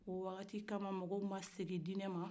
o wati la mɔgɔw ma segin dinɛ ma